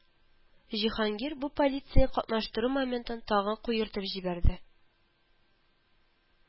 Җиһангир бу полиция катнаштыру моментын тагы куертып җибәрде